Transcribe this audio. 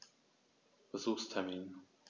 Besuchstermin